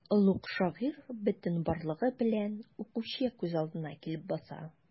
Олуг шагыйрь бөтен барлыгы белән укучы күз алдына килеп баса.